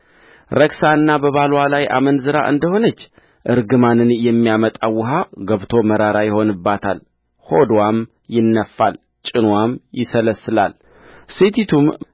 ረክሳና በባልዋ ላይ አመንዝራ እንደ ሆነች እርግማንን የሚያመጣው ውኃ ገብቶ መራራ ይሆንባታል ሆድዋም ይነፋል ጭንዋም ይሰለስላል ሴቲቱም